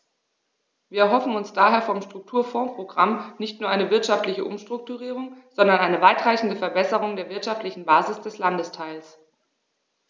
Wir erhoffen uns daher vom Strukturfondsprogramm nicht nur eine wirtschaftliche Umstrukturierung, sondern eine weitreichendere Verbesserung der wirtschaftlichen Basis des Landesteils.